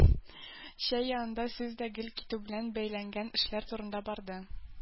Чәй янында сүз дә гел китү белән бәйләнгән эшләр турында барды.